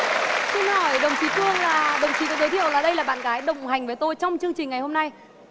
xin hỏi đồng chí cương là đồng chí có giới thiệu là đây là bạn gái đồng hành với tôi trong chương trình ngày hôm nay